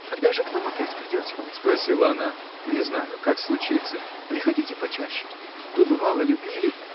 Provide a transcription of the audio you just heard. — Когда же к нам опять придете? — спросила она. — Не знаю, как случится. — Приходите почаще. вы, бывало, любили.